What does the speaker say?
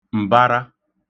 m̀bara